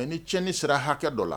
Mɛ ni ti ni sera hakɛ dɔ la